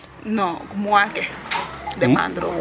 No mois ke demande uma.